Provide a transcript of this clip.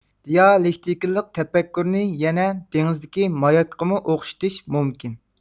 دىئالېكتىكىلىق تەپەككۇرنى يەنە دېڭىزدىكى ماياكقىمۇ ئوخشىتىش مۇمكىن